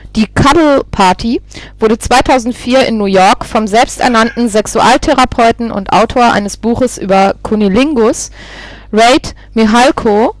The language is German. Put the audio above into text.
Die " Cuddle Party " wurde 2004 in New York vom selbsternannten Sexualtherapeuten und Autor eines Buches über Cunnilingus, Reid Mihalko